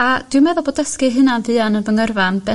a dwi'n meddwl bod dysgu hynna fuan yn fy ngyrfan